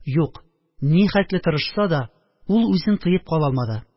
Юк, нихәтле тырышса да, ул үзен тыеп кала алмады